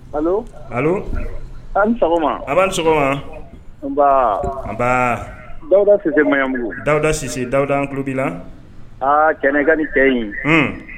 An sɔgɔma a bɛ sɔgɔma nba n dawuda si tɛ mabugu dawuda sise dawudabi la aa kɛnɛkan ni kɛ ɲi h